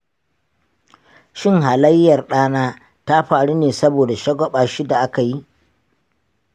shin halayyar ɗana ta faru ne saboda shagwaba shi da aka yi?